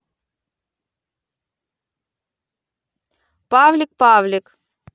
павлик павлик